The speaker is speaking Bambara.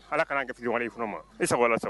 Ala ka ketigi i kɔnɔ ma i sago sa